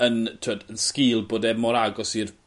yn t'wod yn sgil bod e mor agos i'r